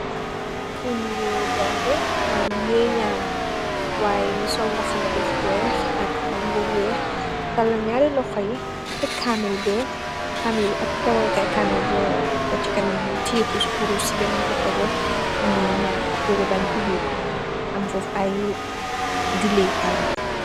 kiim ngir jàng mënam ngi ñaan waaye misoon baxana bu weex ak mbu weex tàlla ñaari loxo yi te kamelu ak tewa camel ba deko ci kanam tieku kurus benneen loxo ga ngi ñaan terebañ ubik am foof ay ju leekaay